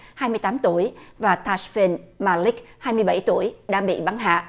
hai mươi tám tuổi và ca si pên ma níc hai mươi bảy tuổi đã bị bắn hạ